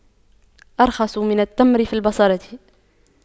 أرخص من التمر في البصرة